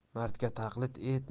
mardga taqlid et